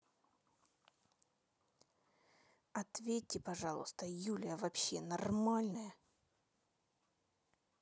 ответьте пожалуйста юлия вообще нормальная